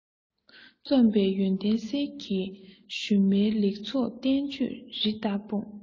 རྩོམ པས ཡོན ཏན གསེར གྱི ཞུན མའི ལེགས ཚོགས བསྟན བཅོས རི ལྟར སྤུངས